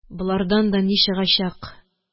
Болардан да ни чыгачак